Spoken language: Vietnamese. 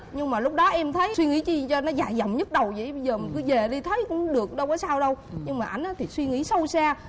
nhưng mà lúc đó em thấy suy nghĩ chi cho nó dài dòng nhức đầu giờ mình cứ về đi thấy cũng được đâu có sao đâu còn anh ý thì suy nghĩ sâu xa